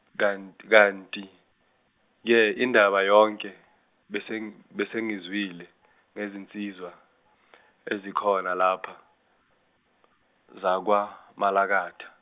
kant- kanti ke indaba yonke beseng- besengiyizwile ngezinsizwa , ezikhona lapha, zakwaMalakatha.